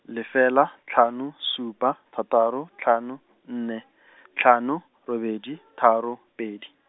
lefela, tlhano, supa, thataro , tlhano, nne , tlhano, robedi, tharo, pedi.